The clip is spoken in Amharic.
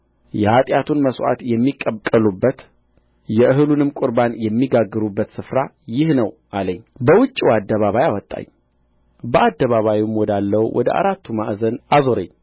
የኃጢአቱን መሥዋዕት የሚቀቅሉበት የእህሉንም ቍርባን የሚጋግሩበት ስፍራ ይህ ነው አለኝ በውጭው አደባባይ አወጣኝ በአደባባይም ወዳለው ወደ አራቱ ማዕዘን አዞረኝ